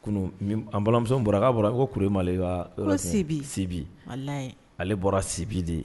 Balimamuso bɔra'a bɔra i ko kuru mabibi ale bɔra sibi de ye